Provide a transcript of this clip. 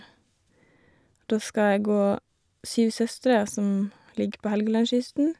Da skal jeg gå Syv søstre, som ligger på Helgelandskysten.